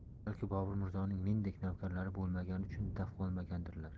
balki bobur mirzoning mendek navkarlari bo'lmagani uchun daf qilolmagandirlar